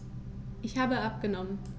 Ich habe abgenommen.